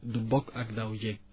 du bokk ak daaw jéeg